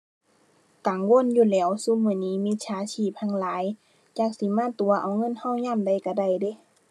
กังวลอยู่แหล้ว ซุมื้อนี้มิจฉาชีพแฮ่งหลาย จักสิมาตั๋วเอาเงินเรายามใดเราได้เดะ